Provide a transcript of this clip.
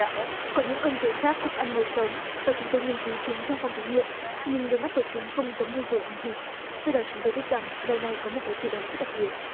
có những con ruồi khác cũng ăn mồi sống và chúng tôi nghiên cứu chúng trong phòng thí nghiệm nhưng đôi mắt của chúng không giống như ruồi ăn thịt do đó chúng tôi biết rằng loài này có một cái gì đó rất đặc biệt